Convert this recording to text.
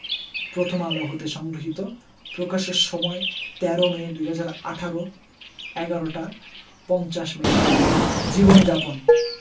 প্রথম আলো হতে সংগৃহীত প্রকাশের সময় ১৩ মে ২০১৮ ১১ টা ৫০ মিনিট জীবনযাপন